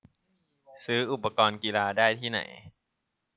ซื้ออุปกรณ์กีฬาได้ที่ไหน